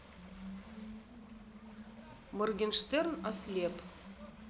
моргенштерн ослеп